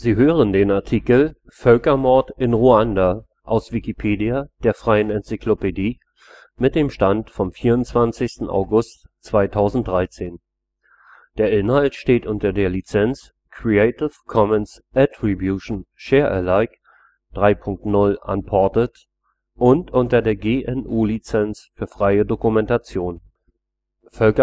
hören den Artikel Völkermord in Ruanda, aus Wikipedia, der freien Enzyklopädie. Mit dem Stand vom Der Inhalt steht unter der Lizenz Creative Commons Attribution Share Alike 3 Punkt 0 Unported und unter der GNU Lizenz für freie Dokumentation. Schädel von Opfern des Völkermordes in der Gedenkstätte von Nyamata Leichen von ruandischen Flüchtlingen Als